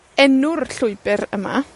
enw'r llwybyr yma,